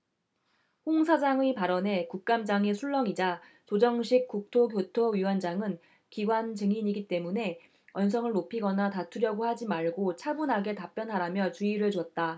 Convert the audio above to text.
홍 사장의 발언에 국감장이 술렁이자 조정식 국토교토위원장은 기관 증인이기 때문에 언성을 높이거나 다투려고 하지 말고 차분하게 답변하라며 주의를 줬다